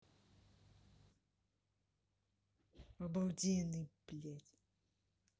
обалденый блядь